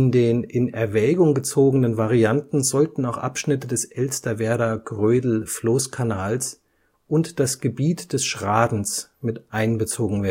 den in Erwägung gezogenen Varianten sollten auch Abschnitte des Elsterwerda-Grödel-Floßkanals und das Gebiet des Schradens mit einbezogen